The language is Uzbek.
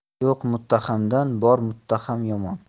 yo'q muttahamdan bor muttaham yomon